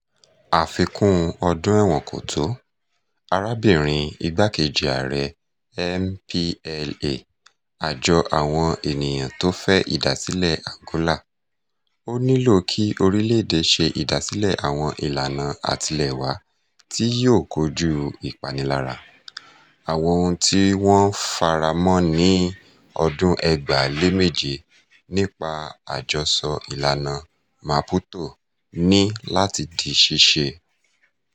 Àfikún ọdún ẹ̀wọ̀n kò tó, arábìnrin igbá-kejì Ààrẹ MPLA [Àjọ Àwọn ènìyàn tó fẹ́ ìdásílẹ̀ Angola], Ó nílò kí orílẹ̀-èdè ṣe ìdásílẹ̀ àwọn ìlànà àtilẹ̀wá tí yóò kojú ìpanilára – Àwọn ohun tí wọ́n fara mọ́ ní 2007 nípa àjọsọ ìlànà Maputo ní láti di ṣíṣe.